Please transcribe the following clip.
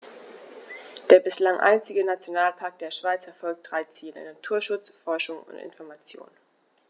Der bislang einzige Nationalpark der Schweiz verfolgt drei Ziele: Naturschutz, Forschung und Information.